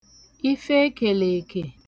ife ekèlè èkè